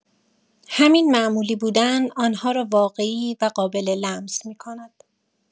همین معمولی بودن، آن‌ها را واقعی و قابل‌لمس می‌کند.